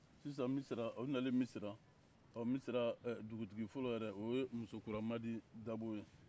sisan misira u nalen misira ɔ misira dugutigi fɔlɔ yɛrɛ o ye musokuramadi dabo ye